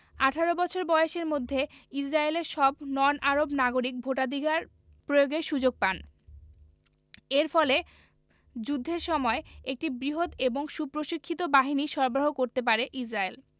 ১৮ বছর বয়সের মধ্যে ইসরায়েলের সব নন আরব নাগরিক ভোটাধিকার প্রয়োগের সুযোগ পান এর ফলে যুদ্ধের সময় একটি বৃহৎ এবং সুপ্রশিক্ষিত বাহিনী সরবরাহ করতে পারে ইসরায়েল